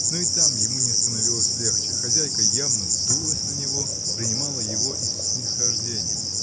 но и там ему не становилось легче: хозяйка явно дулась на него, принимала его из снисхождения